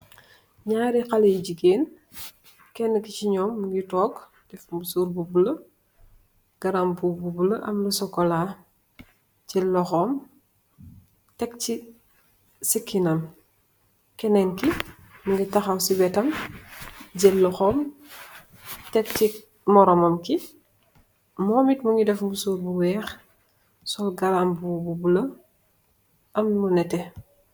Nyellri kalle you jegueen kene ki mougui tok am garrapboubou bou bulla kene ki mougui sol garrapboubou bou bulla am lou netteh